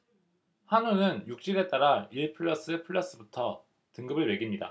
한우는 육질에 따라 일 플러스 플러스부터 등급을 매깁니다